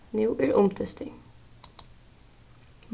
nú er umdystur